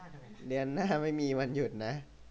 เดือนหน้าไม่มีวันหยุดนะ